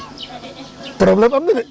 problème am na de